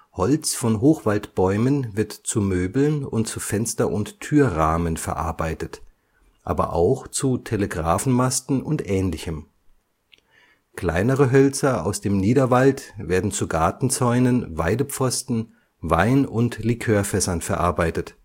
Holz von Hochwald-Bäumen wird zu Möbeln und zu Fenster - und Türrahmen verarbeitet, aber auch zu Telegraphenmasten und ähnlichem. Kleinere Hölzer aus dem Niederwald werden zu Gartenzäunen, Weidepfosten, Wein - und Likörfässern verarbeitet